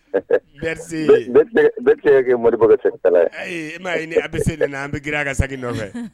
Bɛɛ kɛ mori bɔ ma ɲini a bɛ se nana an bɛ g a ka segin nɔ nɔfɛ